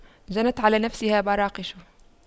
جنت على نفسها براقش